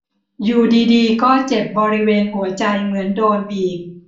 อยู่ดีดีก็เจ็บบริเวณหัวใจเหมือนโดนบีบ